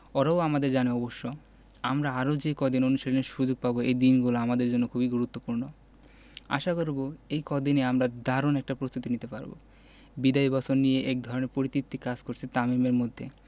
ওরাও আমাদের জানে অবশ্য আমরা আরও যে কদিন অনুশীলনের সুযোগ পাব এই দিনগুলো আমাদের জন্য খুবই গুরুত্বপূর্ণ আশা করব এই কদিনে আমরা দারুণ একটা প্রস্তুতি নিতে পারব বিদায়ী বছর নিয়ে একধরনের পরিতৃপ্তি কাজ করছে তামিমের মধ্যে